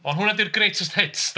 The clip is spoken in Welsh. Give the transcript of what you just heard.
Ond hwnna 'di'r greatest hits de.